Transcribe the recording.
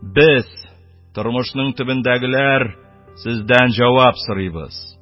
Без, тормышның, төбендәгеләр, сездән җавап сорыйбыз!